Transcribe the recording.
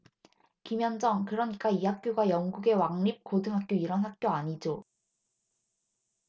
김현정 그러니까 이 학교가 영국의 왕립고등학교 이런 학교 아니죠